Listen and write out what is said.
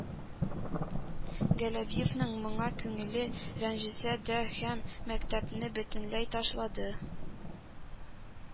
Галәвиевнең моңа күңеле рәнҗесә дә һәм мәктәпне бөтенләй ташлады